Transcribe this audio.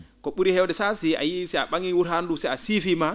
ko ?uri heewde sah si a yiyii si a ?a?ii wurandu nduu si a siifiima